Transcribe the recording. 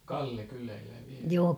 Kalle kyllä elää vielä